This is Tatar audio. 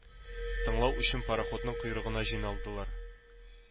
Тыңлау өчен пароходның койрыгына җыйналдылар.